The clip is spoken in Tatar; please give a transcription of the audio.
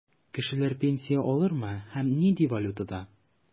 Кешеләр пенсияләр аламы һәм нинди валютада?